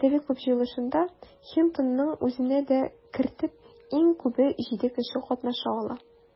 Әдәби клуб җыелышында, Хинтонның үзен дә кертеп, иң күбе җиде кеше катнаша ала.